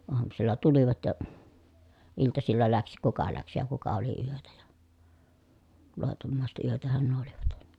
aamusilla tulivat ja iltasilla lähti kuka lähti ja kuka oli yötä ja loitommaiset yötähän nuo olivat